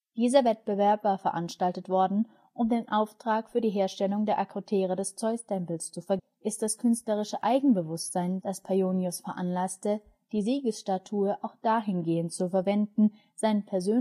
Dieser Wettbewerb war veranstaltet worden, um den Auftrag für die Herstellung der Akrotere des Zeustempels zu vergeben. Auffällig ist das künstlerische Eigenbewusstsein, dass Paionios veranlasste, diese Siegesstatue auch dahingehend zu verwenden, seinen persönlichen Erfolg zu dokumentieren